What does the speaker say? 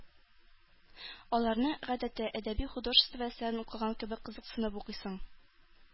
Аларны, гадәттә, әдәби-художество әсәрен укыган кебек кызыксынып укыйсың.